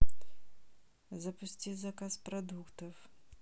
запусти заказ продуктов